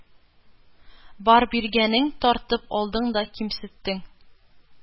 Бар биргәнең тартып алдың да кимсеттең.